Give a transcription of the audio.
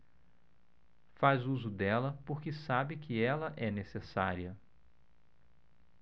faz uso dela porque sabe que ela é necessária